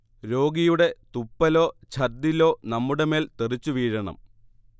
രോഗിയുടെ തുപ്പലോ ഛർദ്ദിലോ നമ്മുടെ മേൽ തെറിച്ചു വീഴണം